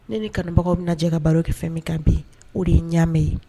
Ne ni kanubagaw bɛna najɛ ka baro kɛ fɛn min kan bi o de ye ɲamɛ ye